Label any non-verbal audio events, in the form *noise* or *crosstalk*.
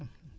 *hesitation* *hesitation*